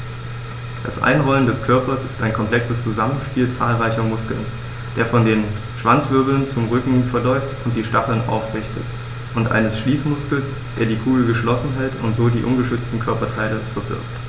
Das Einrollen des Körpers ist ein komplexes Zusammenspiel zahlreicher Muskeln, der von den Schwanzwirbeln zum Rücken verläuft und die Stacheln aufrichtet, und eines Schließmuskels, der die Kugel geschlossen hält und so die ungeschützten Körperteile verbirgt.